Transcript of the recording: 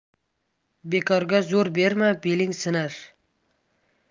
bekorga zo'r berma beling sinar